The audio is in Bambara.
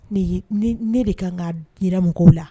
N ne de kan ka jira mɔgɔw la